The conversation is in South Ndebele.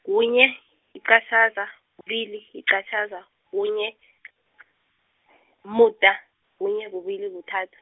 kunye, yiqatjhaza, kubili, yiqatjhaza, kunye, umuda, kunye kubili kuthathu.